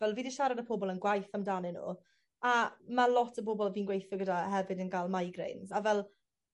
fel fi 'di siarad â pobol yn gwaith amdanyn n'w a ma' lot o bobol fi'n gweithio gyda hefyd yn ga'l migraines a fel